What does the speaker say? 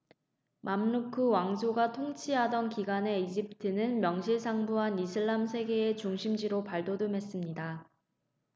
맘루크 왕조가 통치하던 기간에 이집트는 명실상부한 이슬람 세계의 중심지로 발돋움했습니다